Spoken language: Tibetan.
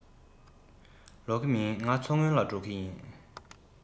ལོག གི མིན ང མཚོ སྔོན ལ འགྲོ མཁན ཡིན